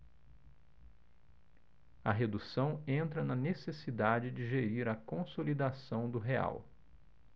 a redução entra na necessidade de gerir a consolidação do real